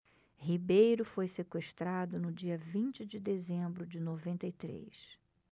ribeiro foi sequestrado no dia vinte de dezembro de noventa e três